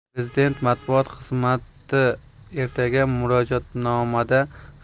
prezident matbuot xizmatiertaga murojaatnomada